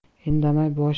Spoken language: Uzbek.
indamay bosh silkidim